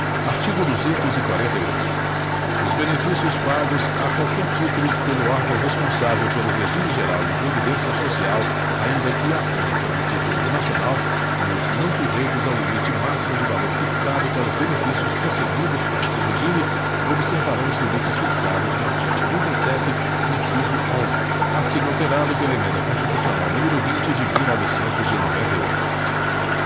artigo duzentos e quarenta e oito os benefícios pagos a qualquer título pelo órgão responsável pelo regime geral de previdência social ainda que à conta do tesouro nacional e os não sujeitos ao limite máximo de valor fixado para os benefícios concedidos por esse regime observarão os limites fixados no artigo trinta e sete inciso onze artigo alterado pela emenda constitucional número vinte de mil novecentos e noventa e oito